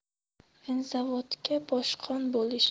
vinzavodga boshqon bo'lish